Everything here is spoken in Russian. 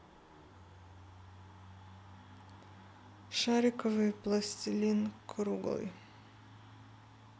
шариковый пластилин круглый